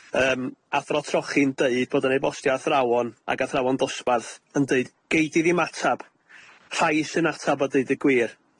yym athro trochi'n deud bod o'n e-bostio athrawon ag athrawon dosbarth yn deud, Gei di ddim atab, rhai sy'n atab a deud y gwir.